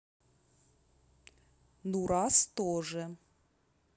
нураз тоже